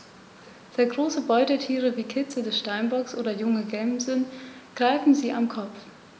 Sehr große Beutetiere wie Kitze des Steinbocks oder junge Gämsen greifen sie am Kopf.